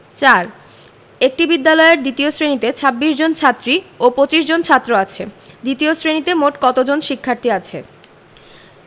৪ একটি বিদ্যালয়ের দ্বিতীয় শ্রেণিতে ২৬ জন ছাত্রী ও ২৫ জন ছাত্র আছে দ্বিতীয় শ্রেণিতে মোট কত জন শিক্ষার্থী আছে